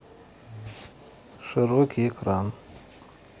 широкий экран